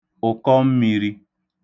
ụ̀kọmmīrī